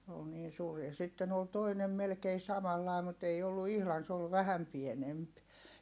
se oli niin suuri ja sitten oli toinen melkein samanlainen mutta ei ollut ihan se oli vähän pienempi